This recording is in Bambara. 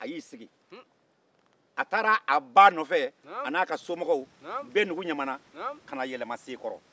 a taara a ba n'a ka somɔgɔw nɔfɛ bɛndugu ɲamana ka na yɛlɛma seekɔrɔ